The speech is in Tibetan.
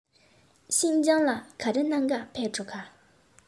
ཤིན ཅང ལ ག རེ གནང ག ཕེབས འགྲོ ག